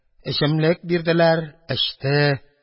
Эчемлек бирделәр — эчте.